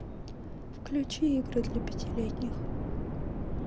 включи игры для пятилетних